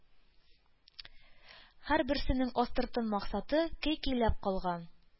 Һәрберсенең астыртын максаты – көй көйләп калган